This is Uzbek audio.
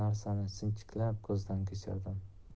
narsani sinchiklab ko'zdan kechirardim